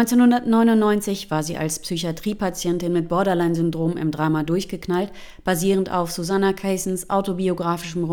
1999 war sie als Psychiatriepatientin mit Borderline-Syndrom im Drama Durchgeknallt, basierend auf Susanna Kaysens autobiografischem